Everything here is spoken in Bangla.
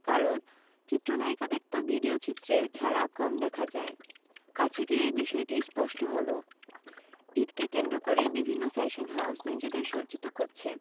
কারণ চিত্রনায়িকাদের তো ভিডিওচিত্রে ছাড়া কম দেখা যায় কাছে গিয়ে বিষয়টি স্পষ্ট হলো ঈদকে কেন্দ্র করে বিভিন্ন ফ্যাশন হাউজ নিজেদের সজ্জিত করছে